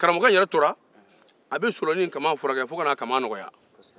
karamɔgɔkɛ tora ka solonin kaman furake fo ka n'a kaman nɔgɔya